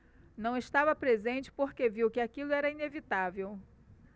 não estava presente porque viu que aquilo era inevitável